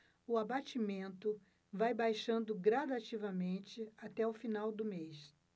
o abatimento vai baixando gradativamente até o final do mês